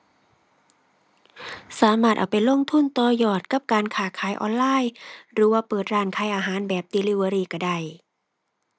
สามารถเอาไปลงทุนต่อยอดกับการค้าขายออนไลน์หรือว่าเปิดร้านขายอาหารแบบดิลิเวอรีก็ได้